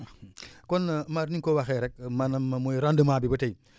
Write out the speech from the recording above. kon Mar ni nga ko waxee rek maanaam mooy rendement bi ba tey